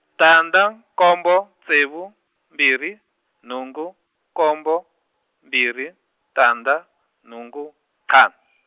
tandza, nkombo, ntsevu, mbirhi, nhungu, nkombo, mbirhi, tandza, nhungu, ntlhanu .